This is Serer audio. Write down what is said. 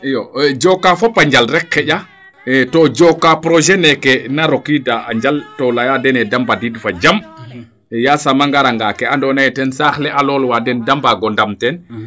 iyo jooka fopa njal rek xaƴato jooka projet neeke na rokiida a njal to leya dene de mbadidoyo fo jam yasam a ngar nga kee ando naye ten saax le a lool waayo de mbaago ndam tene